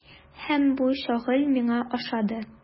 Һәм бу шөгыль миңа ошады.